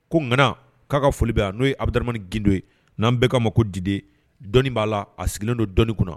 Ko gana k'a ka foli a n' ye abumani gdo ye n'an bɛ' ma ko did dɔnnii b'a la a sigilen don dɔni kunna